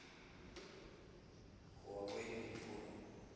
хуавей или хонор